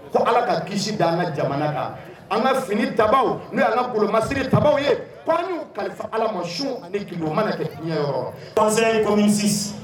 Ko ala k kaa kisi da an ka jamana kan an ka fini ta n'masigi ta ye pan kalifa ala ma ani mana kɛ hinɛ panz insi